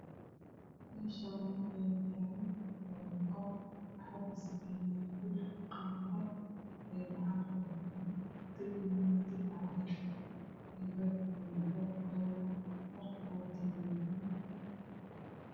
Meeshaani ka samaynaay bir darbiga waa cadays albaabka waa cadaan iyo jaalo